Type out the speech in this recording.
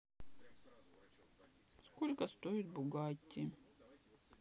сколько стоит бугатти